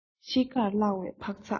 ཤི ཁར གླ བའི འཕག ཚག